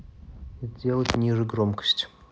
сделать ниже громкость